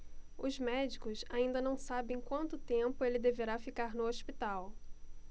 os médicos ainda não sabem quanto tempo ele deverá ficar no hospital